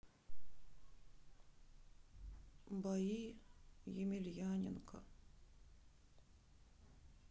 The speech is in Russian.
бои емельяненко